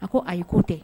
A ko ayi ye ko tɛ